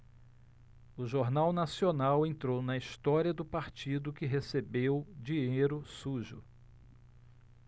o jornal nacional entrou na história do partido que recebeu dinheiro sujo